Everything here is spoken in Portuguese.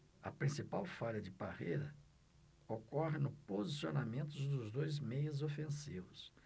a principal falha de parreira ocorre no posicionamento dos dois meias ofensivos